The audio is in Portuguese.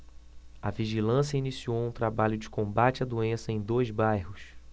a vigilância iniciou um trabalho de combate à doença em dois bairros